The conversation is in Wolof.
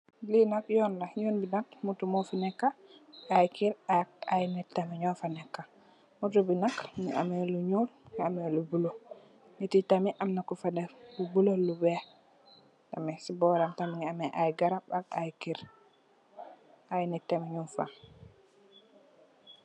Li nak yoon la, yoon bi nak muto mo fi nekka, ay kër ak ay nit tamit noo fa nekka. Auto bi nak mungi ameh lu ñuul, mungi ameh lu bulo. Ñit yi tamit amna Ku fa def bu bulo, lu weeh. Ameh, ci boram mungi ameh ay garab ak ay kër. Ay nit tamit ñung fa.